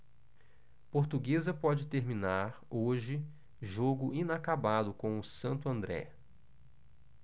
portuguesa pode terminar hoje jogo inacabado com o santo andré